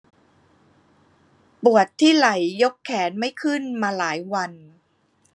ปวดที่ไหล่ยกแขนไม่ขึ้นมาหลายวัน